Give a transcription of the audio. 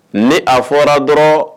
Ne a fɔra dɔrɔn